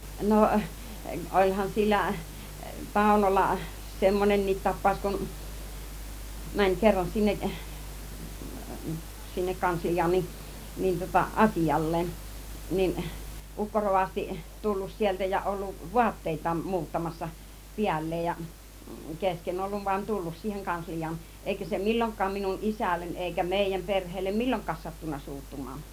no olihan sillä Taunolla semmoinenkin tapaus kuin meni kerran sinne sinne kansliaan niin niin tuota asialleen niin ukko rovasti tullut sieltä ja ollut vaatteitaan muuttamassa päälleen ja kesken ollut vaan tullut siihen kansliaan eikä se milloinkaan minun isälleni eikä meidän perheelle milloinkaan sattunut suuttumaan